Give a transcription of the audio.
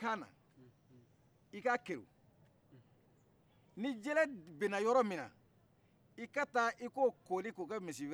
ni jele binna yɔrɔ min na i ka taa i k'o kooli k'o kɛ misi wɛrɛ ye